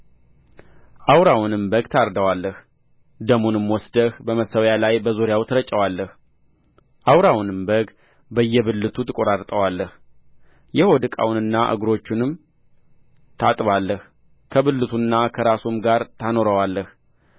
አውራውንም በግ ታርደዋለህ ደሙንም ወስደህ በመሠዊያው ላይ በዙሪያው ትረጨዋለህ አውራውንም በግ በየብልቱ ትቈርጠዋለህ የሆድ ዕቃውንና እግሮቹንም ታጥባለህ ከብልቱና ከራሱም ጋር ታኖረዋለህ